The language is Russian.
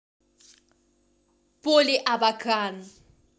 poly абакан